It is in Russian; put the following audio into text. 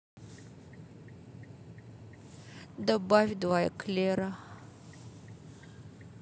добавь два эклера